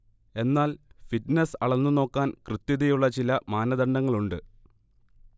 എന്നാൽ ഫിറ്റ്നെസ് അളന്നുനോക്കാൻ കൃത്യതയുള്ള ചില മാനദണ്ഡങ്ങളുണ്ട്